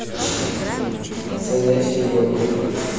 занятия йогой